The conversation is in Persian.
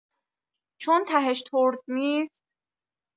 چون تهش ترد نیست؟